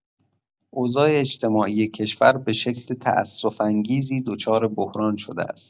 اوضاع اجتماعی کشور به شکل تأسف‌انگیزی دچار بحران شده است.